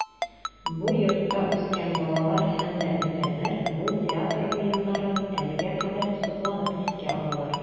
Бу йортта үскән балалар һәм дә өлкәннәр бу театр уеннарын әлегә кадәр сокланып искә алалар.